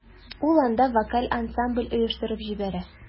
Ул анда вокаль ансамбль оештырып җибәрә.